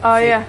O ia?